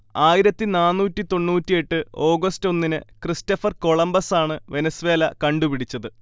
ആയിരത്തി നാന്നൂറ്റി തൊണ്ണൂറ്റിയെട്ട് ഓഗസ്റ്റ് ഒന്നിന് ക്രിസ്റ്റഫർ കൊംളമ്പസാണ് വെനസ്വേല കണ്ടുപിടിച്ചത്